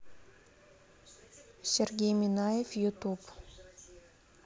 сергей минаев ютуб